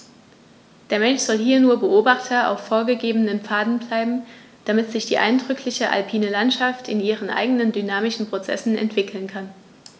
Der Mensch soll hier nur Beobachter auf vorgegebenen Pfaden bleiben, damit sich die eindrückliche alpine Landschaft in ihren eigenen dynamischen Prozessen entwickeln kann.